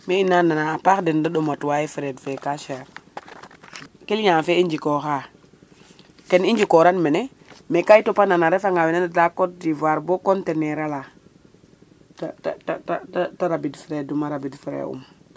mais ina nana a paax den de ɗomat waye frais fe ka chere client fe i njikoxa ken i njikoram mene mais ka i topan a refa nga dal Cote d'ivoire bo contanaire ala te te rabid frais um a rabid frais um